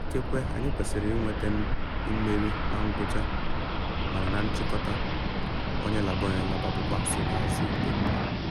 Ikekwe anyị kwesịrị ịnweta mmeri na ngwụcha mana, na nchịkọta, onye laba onye laba bụkwa nsonaazụ dị mma.